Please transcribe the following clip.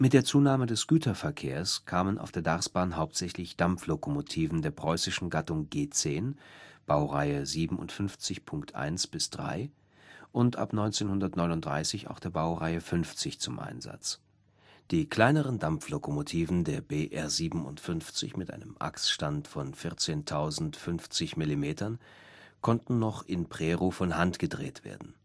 der Zunahme des Güterverkehrs kamen auf der Darßbahn hauptsächlich Dampflokomotiven der preußischen Gattung G 10 (Baureihe 57.1 – 3) und ab 1939 auch der Baureihe 50 zum Einsatz. Die kleineren Dampflokomotiven der BR 57 mit einem Achsstand von 14.050 mm konnten noch in Prerow von Hand gedreht werden